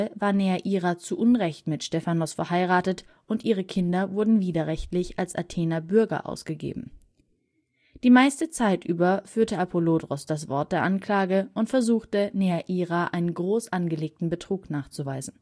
war Neaira zu Unrecht mit Stephanos verheiratet, und ihre Kinder wurden widerrechtlich als Athener Bürger ausgegeben. Die meiste Zeit über führte Apollodoros das Wort der Anklage und versuchte, Neaira einen großangelegten Betrug nachzuweisen